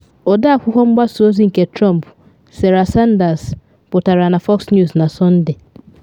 Ọdee Akwụkwọ mgbasa ozi nke Trump, Sarah Sanders, pụtara na Fox News na Sọnde.